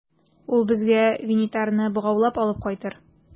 Ул безгә Винитарны богаулап алып кайтыр.